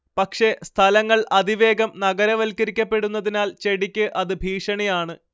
പക്ഷേ സ്ഥലങ്ങൾ അതിവേഗം നഗരവൽക്കരിക്കപ്പെടുന്നതിനാൽ ചെടിക്ക് അത് ഭീഷണിയാണ്